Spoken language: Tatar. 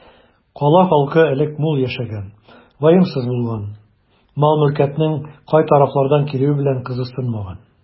Кала халкы элек мул яшәгән, ваемсыз булган, мал-мөлкәтнең кай тарафлардан килүе белән кызыксынмаган.